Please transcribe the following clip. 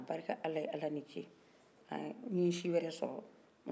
a barika ala ye ala ni ce n ye si wɛrɛ sɔrɔ